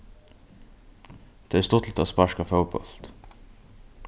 tað er stuttligt at sparka fótbólt